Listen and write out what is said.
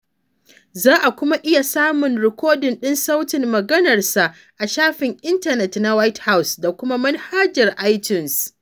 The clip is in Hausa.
Za a kuma iya samun rikodin ɗin sautin maganar a shafin intanet na White House da kuma manhajar iTunes.